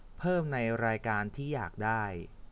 เพิ่มในรายการที่อยากได้